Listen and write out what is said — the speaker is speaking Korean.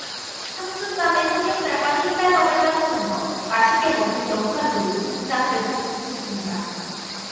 상추쌈에 삼겹살과 흰쌀밥을 싸먹는 것 맛있게 먹으면 영 칼로리 진짜 그랬으면 좋겠습니다